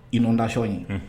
Iundasi ye